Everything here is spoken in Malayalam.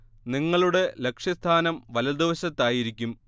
നിങ്ങളുടെ ലക്ഷ്യസ്ഥാനം വലതുവശത്തായിരിക്കും